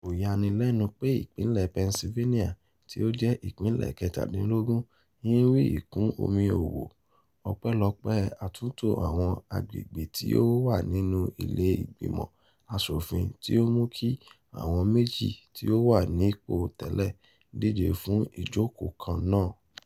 Kò yani lẹ́nu pé ìpínlẹ̀ Pennsylvania tí ó jẹ́ ìpínlẹ̀ kẹtàdínlógún ń rí ìkún omi owó, ọpẹ́lọpẹ́ àtúntò àwọn àgbègbè tí ó wà nínú ilé ìgbìmọ̀ aṣòfin tí ó mú kí àwọn méjì tí ó wà nípò tẹ́lẹ̀ díje fún ìjókòó kan náà.